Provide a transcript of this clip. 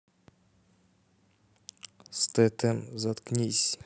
стетем заткнись